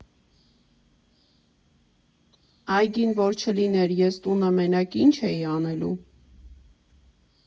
Այգին որ չլիներ ես տունը մենակ ի՞նչ էի անելու։